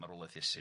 marwolaeth Iesu